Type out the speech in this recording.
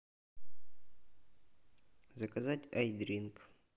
заказать айдринк